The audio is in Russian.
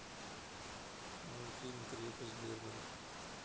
новый фильм крепость берберы